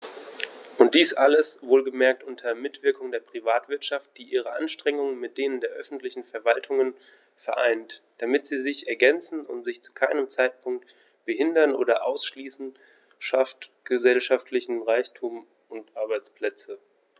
Und dies alles - wohlgemerkt unter Mitwirkung der Privatwirtschaft, die ihre Anstrengungen mit denen der öffentlichen Verwaltungen vereint, damit sie sich ergänzen und sich zu keinem Zeitpunkt behindern oder ausschließen schafft gesellschaftlichen Reichtum und Arbeitsplätze.